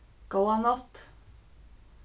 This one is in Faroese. góða nátt